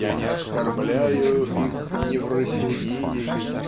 Я не оскорбляю их неврастенией